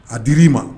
A di ii ma